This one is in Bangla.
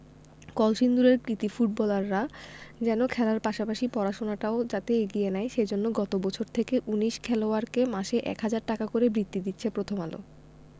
কলসিন্দুরের কৃতী ফুটবলাররা যেন খেলার পাশাপাশি পড়াশোনাটাও যাতে এগিয়ে নেয় সে জন্য গত বছর থেকে ১৯ খেলোয়াড়কে মাসে ১ হাজার টাকা করে বৃত্তি দিচ্ছে প্রথম আলো